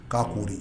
K'a ko de